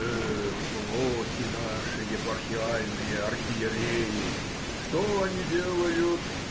Эх, плохи наши епархиальные архиереи! Что они делают?